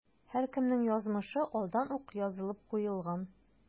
Һәркемнең язмышы алдан ук язылып куелган.